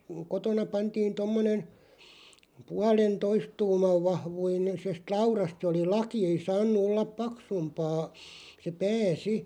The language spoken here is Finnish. kotona pantiin tuommoinen puolentoista tuuman - vahvuisesta laudasta se oli laki ei saanut olla paksumpaa se pää sitten